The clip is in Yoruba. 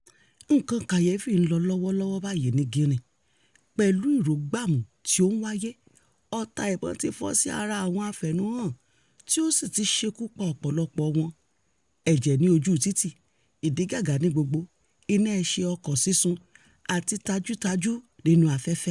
Nǹkan kàyèéfì ń lọ lọ́wọ́ lọ́wọ́ báyìí ní Guinea, pẹ̀lú ìrógbàmù tí ó ń wáyé, ọta ìbon ti fọ́ sí ara àwọn afẹ̀hónúhàn tí ó sì ti ṣekú pa ọ̀pọ̀lọpọ̀ọ wọn, ẹ̀jẹ̀ ní ojúu pópó, ìdígàgá ní gbogbo, iná ẹsẹ̀ ọkọ̀ọ sísun àti tajútajú nínú afẹ́fẹ́.